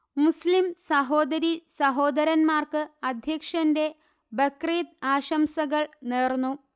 മുസ്ലിം സഹോദരീ സഹോദരന്മാർക്ക് അധ്യക്ഷന്റെ ബക്രീദ് ആശംസകൾ നേർന്നു